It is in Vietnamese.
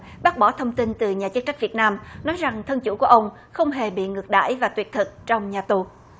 bác bỏ thông tin từ nhà chức trách việt nam nói rằng thân chủ của ông không hề bị ngược đãi và tuyệt thực trong nhà tù